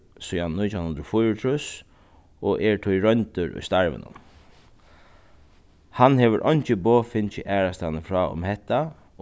síðani nítjan hundrað og fýraogtrýss og er tí royndur í starvinum hann hevur eingi boð fingið aðrastaðni frá um hetta